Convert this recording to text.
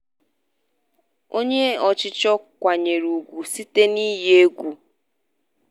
Onye ọchịchọ nkwanye ùgwù site n'iyi egwu.